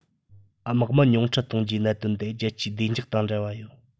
དམག མི ཉུང འཕྲི གཏོང རྒྱུའི གནད དོན དེ རྒྱལ སྤྱིའི བདེ འཇགས དང འབྲེལ བ ཡོད